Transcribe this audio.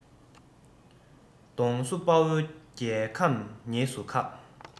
གདོང བསུ དཔའ བོ རྒྱལ ཁམས ཉེས སུ ཁག